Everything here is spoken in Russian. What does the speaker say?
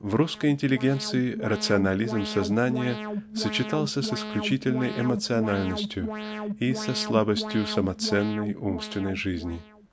В русской интеллигенции рационализм сознания сочетался с исключительной эмоциональностью и с слабостью самоценной умственной жизни.